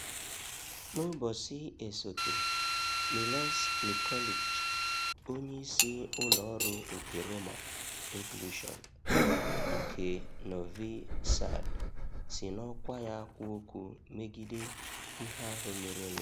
N'ụbọchị esote, Miloš Nikolić, Onyeisi Ụlọọrụ nke Roma Inclusion nke Novi Sad, si n'ọkwa ya kwuo okwu megide ihe ahụ merenụ.